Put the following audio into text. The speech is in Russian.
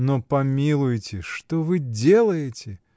— Но помилуйте, что вы делаете!!